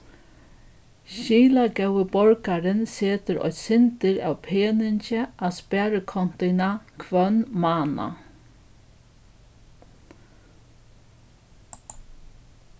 skilagóði borgarin setir eitt sindur av peningi á sparikontuna hvønn mánað